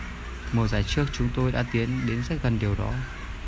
mùa giải trước chúng tôi đã tiến đến rất gần điều đó